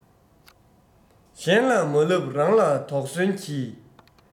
གཞན ལ མ ལབ རང ལ དོགས ཟོན གྱིས